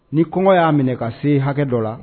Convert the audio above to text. Ni kɔngɔ y'a minɛ ka se hakɛ dɔ la